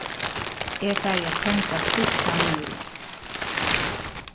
eg fari at tendra skíggjan nú